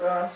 waaw